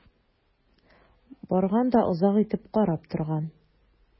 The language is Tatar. Барган да озак итеп карап торган.